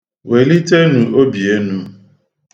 Welitenu obi enu.